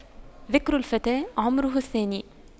ذكر الفتى عمره الثاني